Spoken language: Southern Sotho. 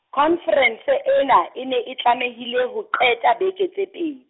khonferense ena e ne e tlamehile ho qeta beke tse ped-.